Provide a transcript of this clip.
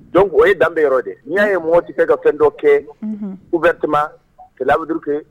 Donc o ye danbe yɔrɔ de ye . Ni ya ye mɔgɔ te se ka fɛn dɔ kɛ ouvertement ce la veut dire que